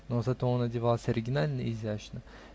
но зато он одевался оригинально и изящно.